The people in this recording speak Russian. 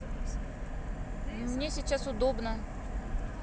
мне сейчас удобно